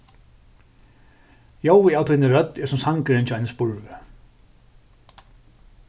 ljóðið av tíni rødd er sum sangurin hjá einum spurvi